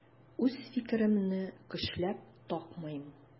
Үз фикеремне көчләп такмыйм.